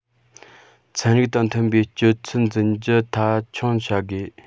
ཚན རིག དང མཐུན པའི སྤྱོད ཚུལ འཛིན རྒྱུ མཐའ འཁྱོངས བྱ དགོས